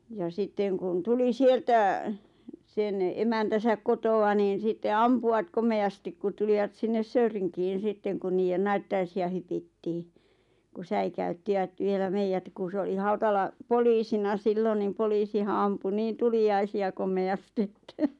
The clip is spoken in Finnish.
ja sitten kun tuli sieltä sen emäntänsä kotoa niin sitten ampuivat komeasti kun tulivat sinne Söyrinkiin sitten kun niiden naittajaisia hypittiin kun säikäyttivät vielä meidät kun se oli Hautala poliisina silloin niin poliisihan ampui niin tuliaisia komeasti että